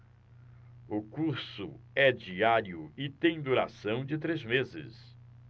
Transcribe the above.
o curso é diário e tem duração de três meses